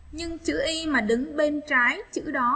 nhưng chữ y mà đứng bên trái chữ đó